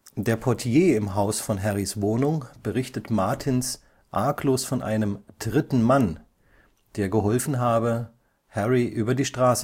Der Portier im Haus von Harrys Wohnung berichtet Martins arglos von einem „ dritten Mann “, der geholfen habe, Harry über die Straße